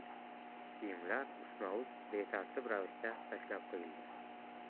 kiyimlar ustma ust betartib ravishda tashlab qo'yilgan